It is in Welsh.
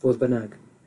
Fodd bynnag,